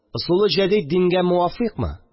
Ысулы җәдид дингә муафикъмы